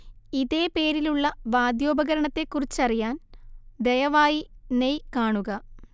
ഇതേ പേരിലുള്ള വാദ്യോപകരണത്തെക്കുറിച്ചറിയാൻ ദയവായി നെയ് കാണുക